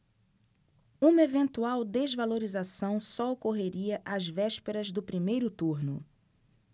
uma eventual desvalorização só ocorreria às vésperas do primeiro turno